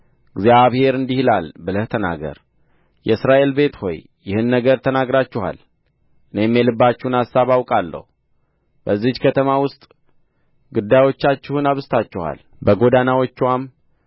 እግዚአብሔር እንዲህ ይላል ብለህ ተናገር የእስራኤል ቤት ሆይ ይህን ነገር ተናግራችኋል እኔም የልባችሁን አሳብ አውቃለሁ በዚህች ከተማ ውስጥ ግዳዮቻችሁን አብዝታችኋል በጎዳናዎችዋም